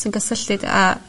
sy'n gysylltud a